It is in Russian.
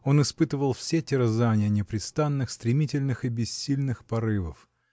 он испытывал все терзанья непрестанных, стремительных и бессильных порывов.